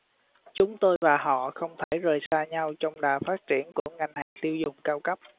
chúng tôi và họ không thể rời xa nhau trong đà phát triển của ngành hàng tiêu dùng cao cấp